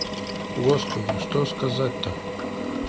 господи шо сказать то